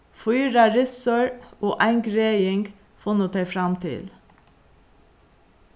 fýra ryssur og ein greðing funnu tey fram til